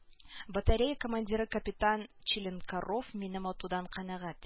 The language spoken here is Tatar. Батарея командиры капитан чилинкаров минем атудан канәгать